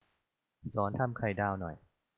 สอนทำไข่ดาวหน่อย